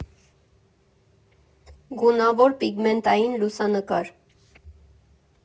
Գունավոր պիգմենտային լուսանկար։